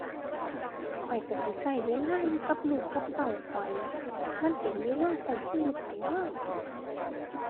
ข้อยก็สิก็เวลาอยู่กับลูกกับเต้าข้อย มันเป็นเวลาก็ชีวิตตั่ว